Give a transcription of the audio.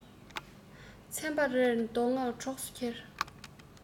ཚན པ རེ རེས མདོ སྔགས གྲོགས སུ འཁྱེར